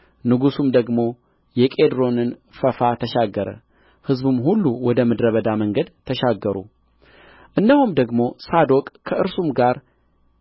ንጉሡም ደግሞ የቄድሮንን ፈፋ ተሻገረ ሕዝቡም ሁሉ ወደ ምድረ በዳ መንገድ ተሻገሩ እነሆም ደግሞ ሳዶቅ ከእርሱም ጋር